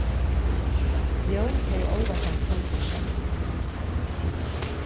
jón hevði álvarsamt tunglyndi